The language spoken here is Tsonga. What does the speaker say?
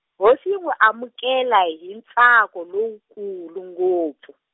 hosi yi n'wi amukela hi ntsako lo u kulu ngopfu.